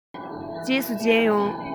རྗེས སུ མཇལ ཡོང